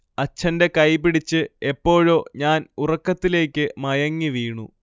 അച്ഛന്റെ കൈപിടിച്ച് എപ്പോഴോ ഞാൻ ഉറക്കത്തിലേക്ക് മയങ്ങിവീണു